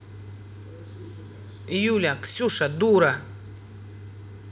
юлия ксюша дура